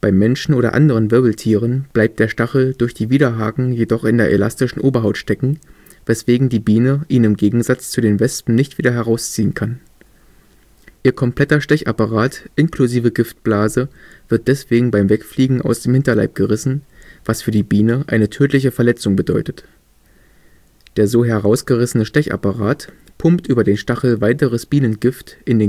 Menschen oder anderen Wirbeltieren bleibt der Stachel durch die Widerhaken jedoch in der elastischen Oberhaut stecken, weswegen die Biene ihn im Gegensatz zu den Wespen nicht wieder herausziehen kann. Ihr kompletter Stechapparat inklusive Giftblase wird deswegen beim Wegfliegen aus dem Hinterleib gerissen, was für die Biene eine tödliche Verletzung bedeutet. Der so herausgerissene Stechapparat pumpt über den Stachel weiteres Bienengift in